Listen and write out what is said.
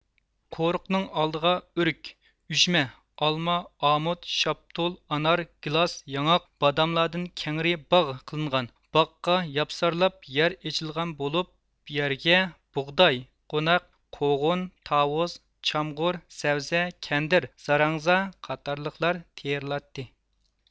قورۇقنىڭ ئالدىغا ئۆرۈك ئۈجمە ئالما ئامۇت شاپتۇل ئانار گىلاس ياڭاق باداملاردىن كەڭرى باغ قىلىنغان باغقا ياپسارلاپ يەر ئېچىلغان بولۇپ يەرگە بۇغداي قوناق قوغۇن تاۋۇز چامغۇر سەۋزە كەندىر زاراڭزا قاتارلىقلار تېرىلاتتى